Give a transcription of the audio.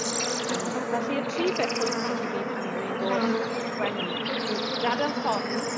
Yym felly y tri pheth pwysig i fi pan 'dyn ni'n dod at sgwennu yw dadansoddi,